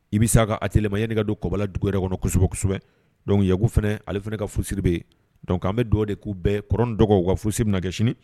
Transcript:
I bɛ sa ka a teli ɲɛni ka don kɔba dugu yɛrɛ kɔnɔ kosɛbɛsɛbɛ kosɛbɛ dɔnku yego fana ale fana ka fusiri bɛ dɔnkuc an bɛ dɔw de' bɛɛ k dɔgɔ wa fusi bɛ na kɛ sini